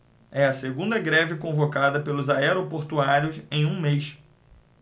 é a segunda greve convocada pelos aeroportuários em um mês